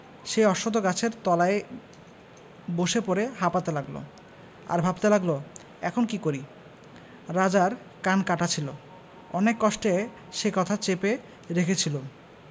সেই অশ্বখ গাছের তলায় বসে পড়ে হাঁপাতে লাগল আর ভাবতে লাগল এখন কী করি রাজার কান কাটা ছিল অনেক কষ্টে সে কথা চেপে রেখেছিল